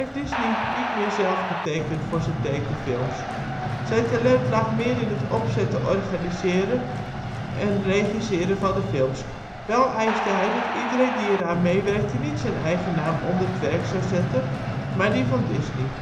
Disney niet meer zelf getekend voor zijn tekenfilms. Zijn talent lag meer in het opzetten, organiseren en regisseren van de films. Wel eiste hij dat iedereen die eraan meewerkte niet zijn eigen naam onder het werk zou zetten, maar die van Disney